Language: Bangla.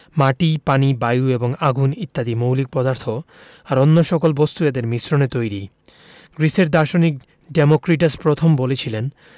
মাটি পানি বায়ু এবং আগুন ইত্যাদি মৌলিক পদার্থ আর অন্য সকল বস্তু এদের মিশ্রণে তৈরি গ্রিসের দার্শনিক ডেমোক্রিটাস প্রথম বলেছিলেন